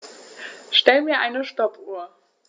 Stell mir eine Stoppuhr.